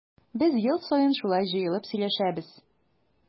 Без ел саен шулай җыелып сөйләшәбез.